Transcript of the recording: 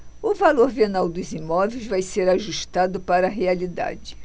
o valor venal dos imóveis vai ser ajustado para a realidade